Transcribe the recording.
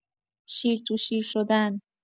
شیر تو شیر شدن